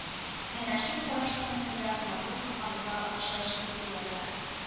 Әнә шул караш күңелендә назлы кызгануга охшаш хис уята